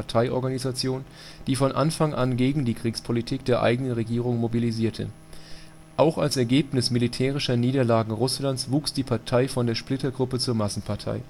Parteiorganisation, die von Anfang an gegen die Kriegspolitik der eigenen Regierung mobilisierte. Auch als Ergebnis militärischer Niederlagen Russlands wuchs die Partei von der Splittergruppe zur Massenpartei